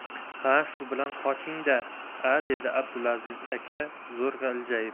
ha shu bilan qochdingda a dedi abduzafar aka zo'rg'a iljayib